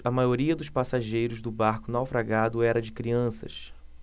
a maioria dos passageiros do barco naufragado era de crianças